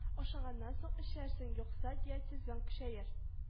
Ашаганнан соң эчәрсең юкса диатезың көчәер